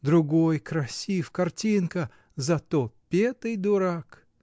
Другой красив: картинка — зато петый дурак!